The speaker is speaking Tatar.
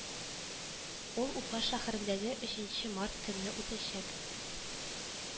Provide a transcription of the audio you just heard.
Ул Уфа шәһәрендә өченче март көнне үтәчәк